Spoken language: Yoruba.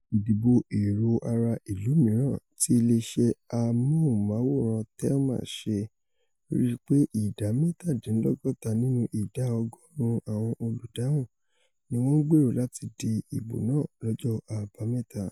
Ìdìbò èrò ara ìlú mìíràn, tí ilé iṣẹ́ Amóhùnmáwòrán Telma ṣe, ríi pé ìdá mẹ́tàdínlọ́gọ́ta nínú ìdá ọgọ́ọ̀rún àwọn olùdáhùn ni wọ́n ńgbèrò láti di ìbò náà lọ́jọ́ Àbámẹ́ta.